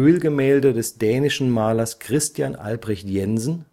Ölgemälde des dänischen Malers Christian Albrecht Jensen